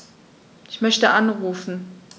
Ich möchte anrufen.